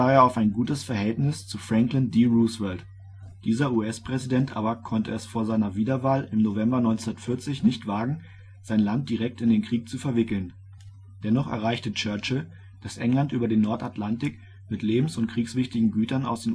auf ein gutes Verhältnis zu Franklin D. Roosevelt. Dieser US-Präsident aber konnte es vor seiner Wiederwahl im November 1940 nicht wagen, sein Land direkt in den Krieg zu verwickeln. Datei:TehranConference431129-BigThreeAlone.jpg Die Großen drei: Stalin, Roosevelt und Churchill auf der Konferenz von Teheran Dennoch erreichte Churchill, dass England über den Nordatlantik mit lebens - und kriegswichtigen Gütern aus